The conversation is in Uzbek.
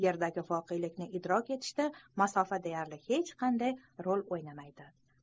yerdagi voqelikni idrok etishda masofa deyarli hech qanday rol' o'ynamaydi